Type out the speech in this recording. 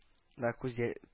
Да күзә